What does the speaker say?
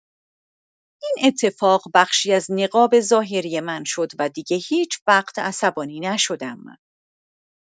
این اتفاق بخشی از نقاب ظاهری من شد و دیگه هیچ‌وقت عصبانی نشدم.